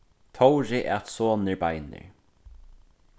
tóri æt sonur beinir